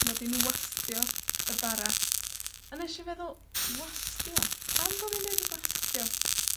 'mod i n wastio y bara. A nesh i feddwl, wastio. Pam bo' fi'n deud wastio?